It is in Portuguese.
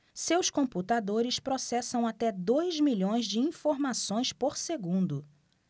seus computadores processam até dois milhões de informações por segundo